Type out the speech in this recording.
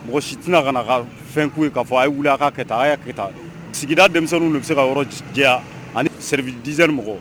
Mɔgɔ si ka ka fɛn' fɔ a wuli a ka a ke sigida denmisɛnnin bɛ se ka yɔrɔ diya ani sɛdizseri mɔgɔ